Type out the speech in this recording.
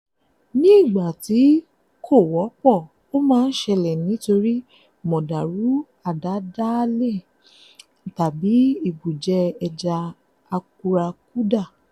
Ní ìgbà tí kò wọ́pọ̀, ó máa ń ṣẹlẹ̀ nítorí mọ̀dàrú àdádáálẹ̀ tàbí ìbùjẹ ẹja àkúrákudà.